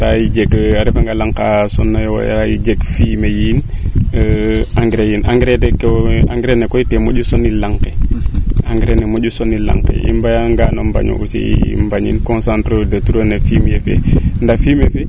wara jeg a refa laŋ ka son nayo wara jeg fumier yiin engrais yiin engrais ne koy ten moƴu sonil laŋ ke engrais ne moƴu sonin laŋ ke i mbaaga ngano mbañ aussi i mbañin concentrer u nak de trop no fumier fe ndax fumier fee